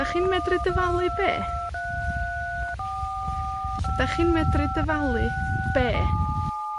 'Dach chi'n medru dyfalu be'? 'Dach hi'n medru dyfalu be'?